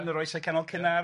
yn yr Oesau Canol cynnar. Ia.